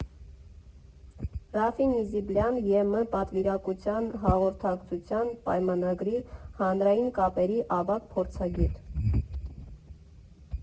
Րաֆֆի Նիզիբլյան, ԵՄ պատվիրակության Հաղորդակցության պայմանագրի հանրային կապերի ավագ փորձագետ։